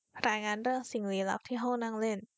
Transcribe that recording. รายงานเรื่องสิ่งลี้ลับที่ห้องนั่งเล่น